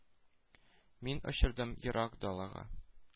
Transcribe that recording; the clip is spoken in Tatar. Мин очырдым ерак далага.